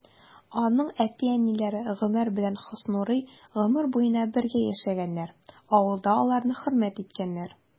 Аның әти-әниләре Гомәр белән Хөснурый гомер буена бергә яшәгәннәр, авылда аларны хөрмәт иткәннәр.